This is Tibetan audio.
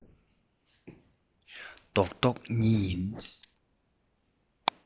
རྡོག རྡོག གཉིས ཡིན